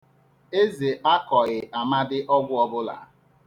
Eze akọghị Amadị ọgwụ ọbụla.